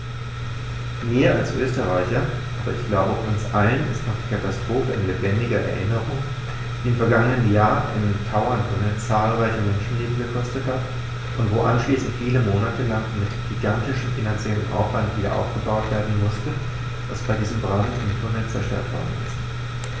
Mir als Österreicher, aber ich glaube, uns allen ist noch die Katastrophe in lebendiger Erinnerung, die im vergangenen Jahr im Tauerntunnel zahlreiche Menschenleben gekostet hat und wo anschließend viele Monate lang mit gigantischem finanziellem Aufwand wiederaufgebaut werden musste, was bei diesem Brand im Tunnel zerstört worden ist.